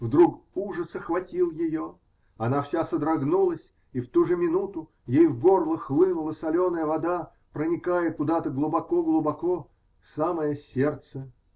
Вдруг ужас охватил ее, она вся содрогнулась, и в ту же минуту ей в горло хлынула соленая вода, проникая куда-то глубоко-глубоко -- в самое сердце.